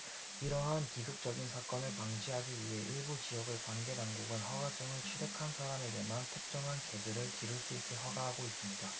이러한 비극적인 사건을 방지하기 위해 일부 지역의 관계 당국은 허가증을 취득한 사람에게만 특정한 개들을 기를 수 있게 허가하고 있습니다